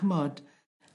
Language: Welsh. Ch'mod?